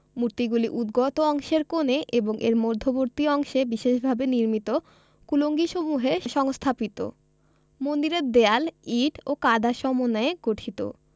মূর্তিগুলি উদ্গত অংশের কোণে এবং এর মধ্যবর্তী অংশে বিশেষভাবে নির্মিত কুলুঙ্গিসমূহে সংসহাপিত মন্দিরের দেয়াল ইট ও কাদার সমন্বয়ে গঠিত